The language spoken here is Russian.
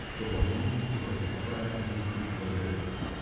что волнует и потрясает душу человека.